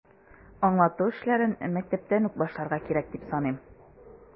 Аңлату эшләрен мәктәптән үк башларга кирәк, дип саныйм.